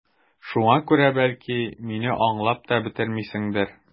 Шуңа күрә, бәлки, мине аңлап та бетермисеңдер...